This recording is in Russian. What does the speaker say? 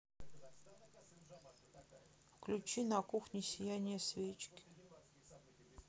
включи на кухне сияние свечки